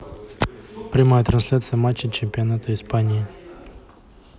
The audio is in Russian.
прямая трансляция матча чемпионата испании